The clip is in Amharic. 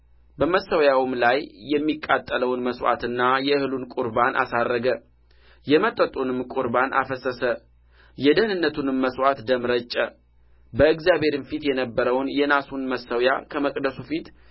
በመሠዊያውም ላይ የሚቃጠለውን መሥዋዕትና የእህሉን ቍርባን አሳረገ የመጠጡንም ቍርባን አፈሰሰ የደኅንነቱንም መሥዋዕት ደም ረጨ እግዚአብሔርም ፊት የነበረውን የናሱን መሠዊያ ከመቅደሱ ፊት